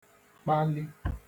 kpali